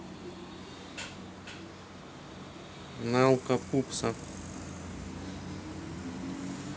nalka пупса